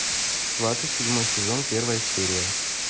сваты седьмой сезон первая серия